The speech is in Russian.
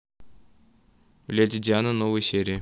леди диана новые новые серии